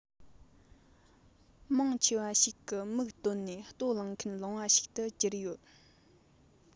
མང ཆེ བ ཞིག གི མིག བཏོན ནས ལྟོ སློང མཁན ལོང བ ཞིག ཏུ གྱུར ཡོད